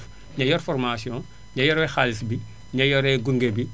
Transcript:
ña yor formation ña yore xaalis bi ña yore gunge bi